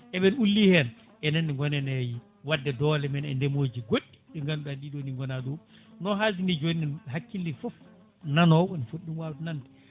eɓen ulli hen enenne gonen e wadde doole men e ndemuji goɗɗi ɗi ganduɗa ɗiɗo ni gona ɗum no halidni joni hakkille foof nanowo ene footi ɗum wawde nande